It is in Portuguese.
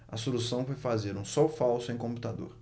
a solução foi fazer um sol falso em computador